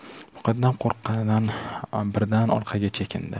muqaddam qo'rqqanidan birdan orqaga chekindi